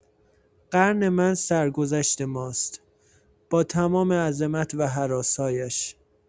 قرن من سرگذشت ماست، با تمام عظمت و هراس‌هایش.